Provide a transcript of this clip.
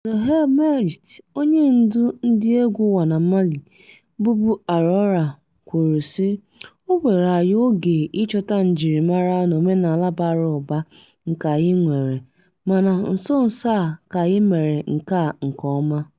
Zouheir Mejd, onyendu ndịegwu Wana Mali (bụbu Aurora) kwuru, sị: "O were anyị oge ịchọta njirimara n'omenala bara ụba nke anyị nwere, mana nso nso a ka anyị mere nke a nke ọma."